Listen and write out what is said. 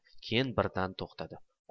keyin birdan to'xtadi